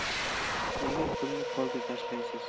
nega kulni polga tashlaysiz